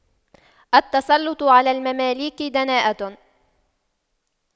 التسلُّطُ على المماليك دناءة